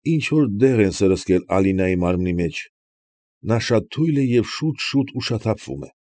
Ինչ֊որ դեղ են սրսկել Ալինայի մարմնի մեջ։ Նա շատ թույլ է և շուտ֊շուտ ուշաթափվում է։